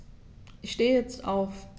Ich stehe jetzt auf.